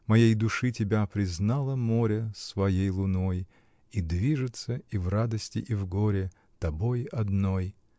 Моей души тебя признало море Своей луной, И движется -- и в радости и в горе -- Тобой одной.